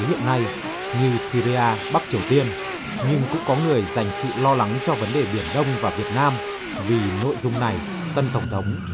hiện nay như sy ri a bắc triều tiên nhưng cũng có người dành sự lo lắng cho vấn đề biển đông và việt nam vì nội dung này tân tổng thống